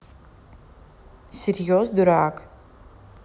serious дурак